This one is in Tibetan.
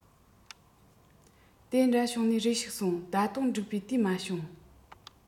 དེ འདྲ བྱུང ནས རེ ཞིག སོང ད དུང འགྲིག པའི དུས མ བྱུང